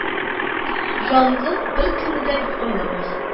Янгын беркемне дә аямый